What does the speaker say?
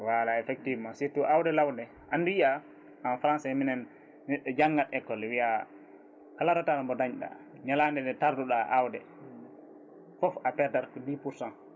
voilà effectivement surtout awde laaw nde andi en Français minen neɗɗo janggat école wiiya kala temps mo dañɗa ñalande nde tarduɗa awde foof a perdat ko dix pourcent